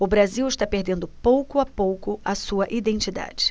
o brasil está perdendo pouco a pouco a sua identidade